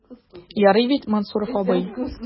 Ярый бит, Мансуров абый?